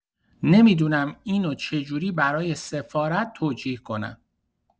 نمی‌دونم اینو چجوری برای سفارت توجیه کنم.